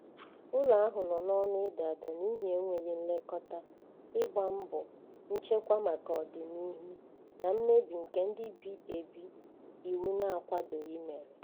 Ụlọ ahụ nọ n'ọnụ ịda ada n'ihi enweghị nlekọta, ịgba mbọ nchekwa maka ọdịnuhu, na mmebi nke ndị bi ebi iwu na-akwadoghị mere.